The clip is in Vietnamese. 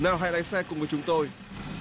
nào hãy lái xe cùng với chúng tôi